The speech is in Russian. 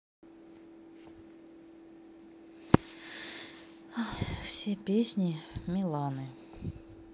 все песни миланы